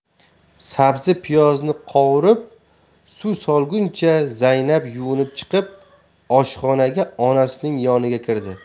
sabzi piyozni qovurib suv solgunicha zaynab yuvinib chiqib oshxonaga onasining yoniga kirdi